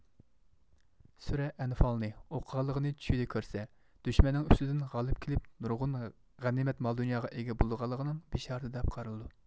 سۈرە ئەنفالنى ئوقۇغانلىقىنى چۈشىدە كۆرسە دۈشمەننىڭ ئۈستىدىن غالىپ كېلىپ نۇرغۇن غەنىمەت مال دۇنياغا ئىگە بولىدىغانلىقىنىڭ بىشارىتى دەپ قارىلىدۇ